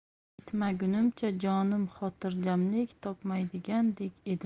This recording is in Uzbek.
yetmagunimcha jonim xotirjamlik topmaydigandek edi